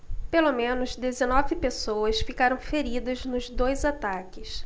pelo menos dezenove pessoas ficaram feridas nos dois ataques